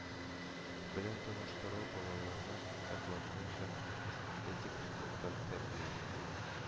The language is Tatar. Белəн таныштыру балаларны əхлакый һəм эстетик яктан тəрбияли,